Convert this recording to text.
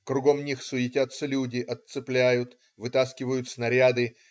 Кругом них суетятся люди, отцепляют, вытаскивают снаряды.